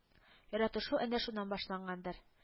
Яратышу әнә шуннан башлангандыр